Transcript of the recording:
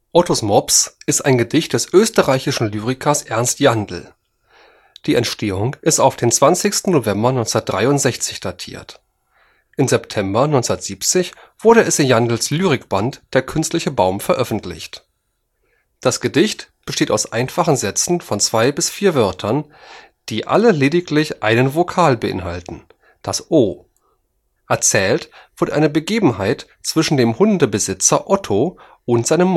ottos mops ist ein Gedicht des österreichischen Lyrikers Ernst Jandl. Die Entstehung ist auf den 20. November 1963 datiert. Im September 1970 wurde es in Jandls Lyrikband der künstliche baum veröffentlicht. Das Gedicht besteht aus einfachen Sätzen von zwei bis vier Wörtern, die alle lediglich einen Vokal beinhalten, das o. Erzählt wird eine Begebenheit zwischen dem Hundebesitzer Otto und seinem